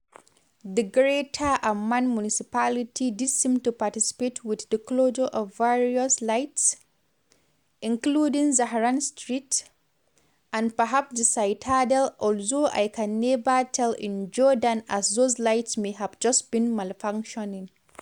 The Greater Amman Municipality did seem to participate with the closure of various lights, including Zahran Street, and perhaps the Citadel (although I can never tell in Jordan as those lights may have just been malfunctioning).